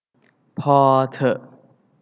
พอเถอะ